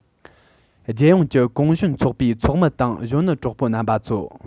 རྒྱལ ཡོངས ཀྱི གུང གཞོན ཚོགས པའི ཚོགས མི དང གཞོན ནུ གྲོགས པོ རྣམ པ ཚོ